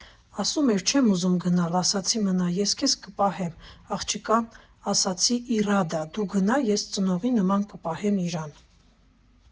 Ասում էր՝ չեմ ուզում գնալ, ասեցի՝ մնա, ես քեզ կպահեմ, աղջկան ասեցի՝ Իռադա՛, դու գնա, ես ծնողի նման կպահեմ իրան։